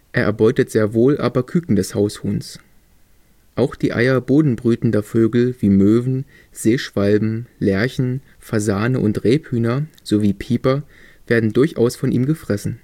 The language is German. erbeutet sehr wohl aber Küken des Haushuhns. Auch die Eier bodenbrütender Vögel wie Möwen, Seeschwalben, Lerchen, Fasane und Rebhühner sowie Pieper werden durchaus von ihm gefressen